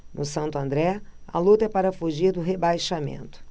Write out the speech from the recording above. no santo andré a luta é para fugir do rebaixamento